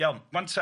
Iawn, 'wanta.